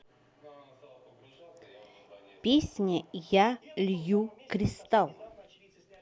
песня я лью кристал